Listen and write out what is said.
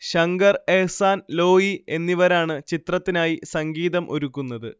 ശങ്കർ, എഹ്സാൻ, ലോയ് എന്നിവരാണ് ചിത്രത്തിനായി സംഗീതം ഒരുക്കുന്നത്